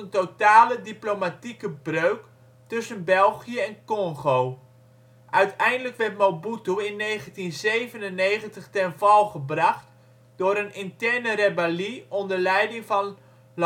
totale diplomatieke breuk tussen België en Congo. Uiteindelijk werd Mobutu in 1997 ten val gebracht door een interne rebellie onder leiding van Laurent-Désiré